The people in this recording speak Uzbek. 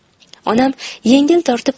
onam yengil tortib